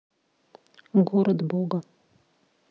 город бога